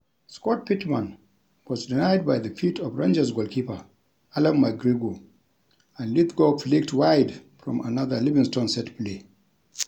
Scott Pittman was denied by the feet of Rangers goalkeeper Allan McGregor and Lithgow flicked wide from another Livingston set play.